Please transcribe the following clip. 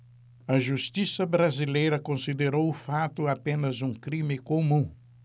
a justiça brasileira considerou o fato apenas um crime comum